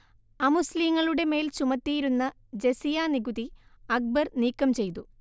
അമുസ്ലീങ്ങളുടെ മേൽ ചുമത്തിയിരുന്ന ജസിയ നികുതി അക്ബർ നീക്കംചെയ്തു